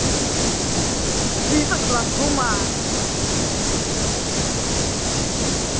ты сошла с ума